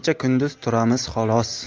kunduz turamiz xolos